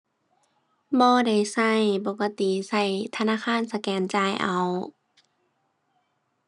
บ่ได้ใช้ ปกติใช้ธนาคารสแกนจ่ายเอา